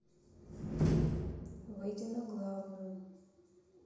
выйди на главную